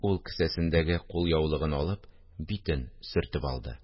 Ул, кесәсендәге кулъяулыгын алып, битен сөртеп алды